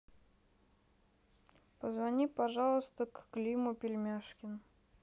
позвони пожалуйста к климу племяшкин